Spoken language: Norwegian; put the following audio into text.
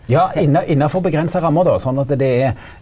ja innafor avgrensa rammer då sånn at det er.